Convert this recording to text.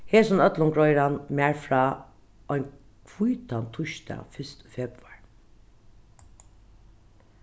hesum øllum greiðir hann mær frá ein hvítan týsdag fyrst í februar